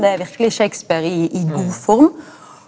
det er verkeleg Shakespeare i i godform.